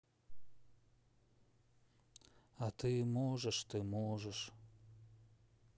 а ты можешь ты можешь